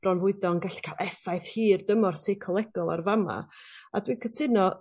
bronfwydo'n gallu ca'l effaith hirdymor seicolegol ar fama'. A dwi cytuno